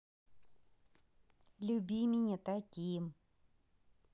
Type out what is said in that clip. люби меня таким